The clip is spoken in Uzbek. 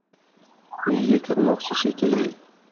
uyga kirmoqchi shekilli